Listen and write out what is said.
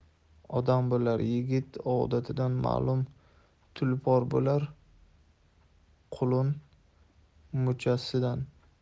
odam bo'lar yigit odatidan ma'lum tulpor bo'lar qulun muchasidan